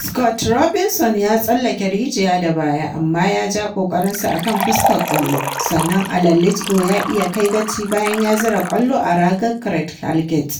Scott Robinson ya tsallake rijiya da baya amma ya ja ƙoƙarinsa a kan fuskar kwallo, sannan Alan Lithgow ya iya kai gaci bayan ya zura kwallo a ragar Craig Halkett